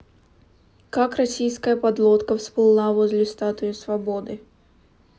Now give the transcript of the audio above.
как российская подлодка всплыла возле статуи свободы